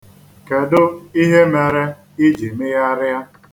Kedu ihe mere i ji mịgharịa?